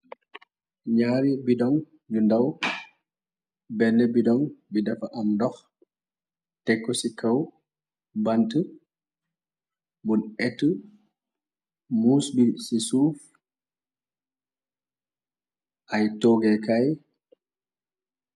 Ñaari bidoŋ yu ndaw benn bidoŋ bi dafa am ndoh tekk ko ci kaw bant bun ettu muus bi ci suuf ay toogeekaay.